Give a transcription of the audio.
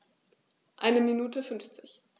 Eine Minute 50